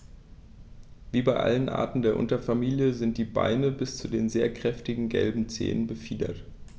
Wie bei allen Arten der Unterfamilie sind die Beine bis zu den sehr kräftigen gelben Zehen befiedert.